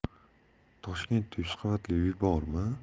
toshkentda yuz qavatli uy bormi